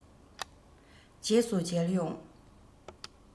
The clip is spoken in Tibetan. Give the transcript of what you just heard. རྗེས སུ མཇལ ཡོང